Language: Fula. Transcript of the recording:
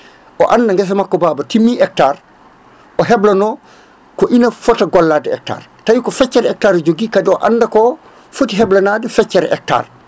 o anda guesa makko ba ba timmi hectare o heblono ko ina fota gollade hectare tawi ko feccere hectare o jogui kadi o anda ko foti heblanade feccere hectare